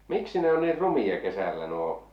miksi ne on niin rumia kesällä nuo